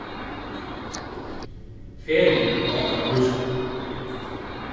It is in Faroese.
ferðin á okkara búskapi